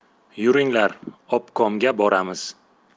yuringlar obkomga boramiz